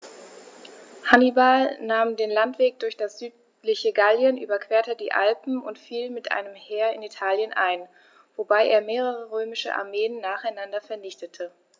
Hannibal nahm den Landweg durch das südliche Gallien, überquerte die Alpen und fiel mit einem Heer in Italien ein, wobei er mehrere römische Armeen nacheinander vernichtete.